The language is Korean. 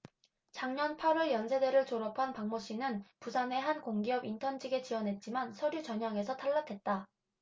작년 팔 월 연세대를 졸업한 박모씨는 부산의 한 공기업 인턴 직에 지원했지만 서류 전형에서 탈락했다